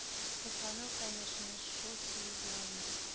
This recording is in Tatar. Кызгану конешно шул сөю була инде